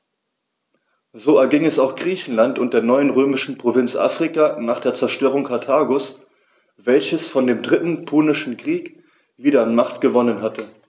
So erging es auch Griechenland und der neuen römischen Provinz Afrika nach der Zerstörung Karthagos, welches vor dem Dritten Punischen Krieg wieder an Macht gewonnen hatte.